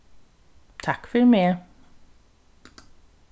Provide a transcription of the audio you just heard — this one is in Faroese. takk fyri meg